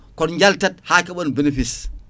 kon jaltat ha keeɓon bénéfice